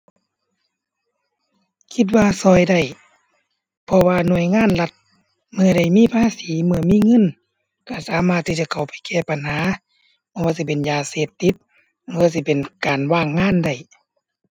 คิดว่าช่วยได้ เพราะว่าหน่วยงานรัฐเมื่อได้มีภาษี เมื่อมีเงินช่วยสามารถที่จะเข้าไปแก้ปัญหา บ่ว่าสิเป็นยาเสพติด บ่ว่าสิเป็นการว่างงานได้